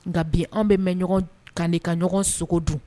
Nka bi an bɛ mɛn ɲɔgɔn kandi ka ɲɔgɔn sogo dun